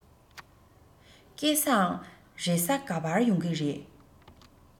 སྐལ བཟང རེས གཟའ ག པར ཡོང གི རེད